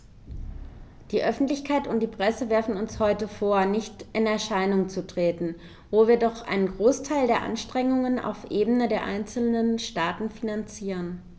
Die Öffentlichkeit und die Presse werfen uns heute vor, nicht in Erscheinung zu treten, wo wir doch einen Großteil der Anstrengungen auf Ebene der einzelnen Staaten finanzieren.